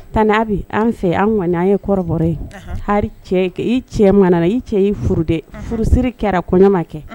Tan ni a bɛ an fɛ an kɔni an ye kɔrɔ ye i cɛ mana i cɛ i dɛ furusiri kɛra kɔɲɔma kɛ